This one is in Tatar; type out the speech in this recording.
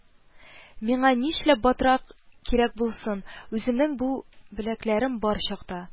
Миңа нишләп батрак кирәк булсын үземнең бу беләкләрем бар чакта